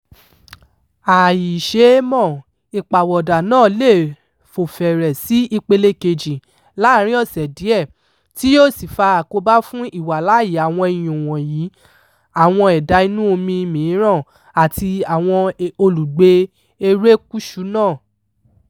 A ì í ṣe é mọ̀, ìpàwọ̀dà náà lè fò fẹ̀rẹ̀ sí ìpele kejì láàárín ọ̀sẹ̀ díẹ̀, tí yóò sì fa àkóbá fún ìwàláàyè àwọn iyùn wọ̀nyí, àwọn ẹ̀dá inú omi mìíràn àti àwọn olùgbé erékùṣù náà.